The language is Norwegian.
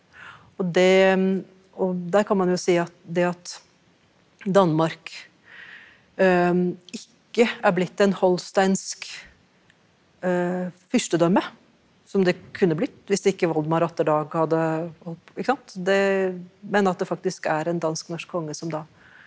og det og der kan man jo si at det at Danmark ikke er blitt en holsteinsk fyrstedømme som det kunne blitt hvis ikke Waldemar Atterdag hadde ikke sant, men at det faktisk er en dansk-norsk konge som da,